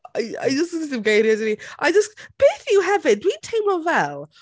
I I just, does dim geiriau 'da fi. I just... peth yw hefyd, dwi'n teimlo fel...